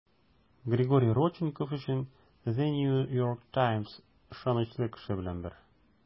Григорий Родченков өчен The New York Times ышанычлы кеше белән бер.